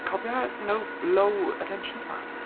Cofia, you know, low attention span